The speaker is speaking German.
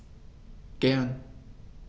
Gern.